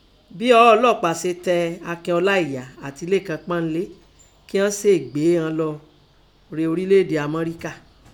Bẹ ọọ́ ọlọ́ọ̀pá se tẹ Akin Ọláìyà àti Lékan Pọ́nlé kí ọ́n sè gbé ọn lọ re ọrílẹ̀ èdè Amọ́ríkà.